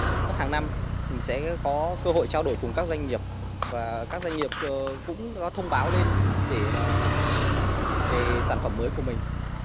hàng năm mình sẽ có cơ hội trao đổi cùng các doanh nghiệp và các doanh nghiệp ơ cũng có thông báo lên để là về sản phẩm mới của mình